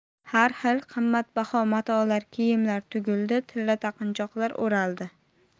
har xil qimmatbaho matolar kiyimlar tugildi tilla taqinchoqlar o'raldi